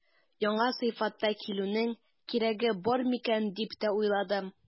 Яңа сыйфатта килүнең кирәге бар микән дип тә уйландым.